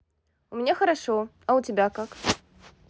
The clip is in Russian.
у меня хорошо а у тебя как